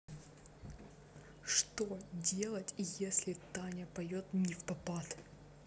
что делать если таня поет не в попад